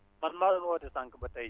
man maa doon woote sànq ba tey